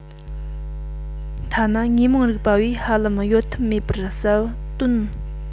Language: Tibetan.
ཐ ན དངོས མང རིག པ བས ཧ ལམ གཡོལ ཐབས མེད པར གསལ པོར དོན འདི ལྡན པའི ཐ སྙད སྤྱད པ རེད